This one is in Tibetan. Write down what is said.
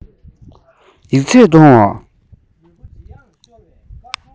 ཡིག ཚད གཏོང བ